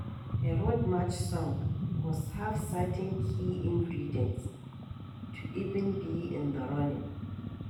A Road March song must have certain key ingredients to even be in the running: